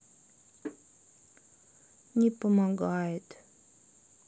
не помогает